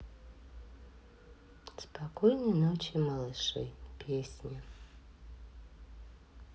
спокойной ночи малыши песня